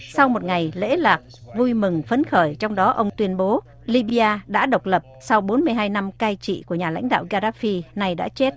sau một ngày lễ lạc vui mừng phấn khởi trong đó ông tuyên bố li bi a đã độc lập sau bốn mươi hai năm cai trị của nhà lãnh đạo ga đác phi nay đã chết